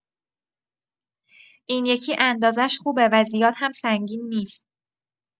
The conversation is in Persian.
این یکی اندازه‌ش خوبه و زیاد هم سنگین نیست.